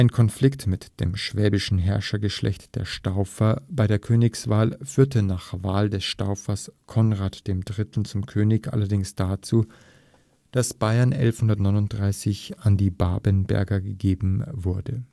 Konflikt mit dem schwäbischen Herrschergeschlecht der Staufer bei der Königswahl führte nach Wahl des Staufers Konrad III. zum König allerdings dazu, dass Bayern 1139 an die Babenberger gegeben wurde